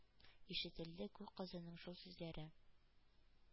Ишетелде күк кызының шул сүзләре: